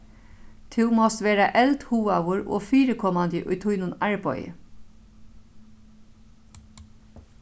tú mást vera eldhugaður og fyrikomandi í tínum arbeiði